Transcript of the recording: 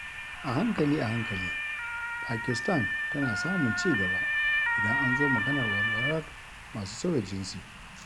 A hankali a hankali, Pakistan tana samun cigaba idan an zo maganar walwalar masu sauya jinsi.